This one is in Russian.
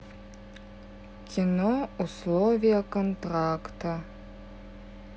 кино условия контракта